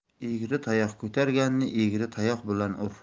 egri tayoq ko'targanni egri tayoq bilan ur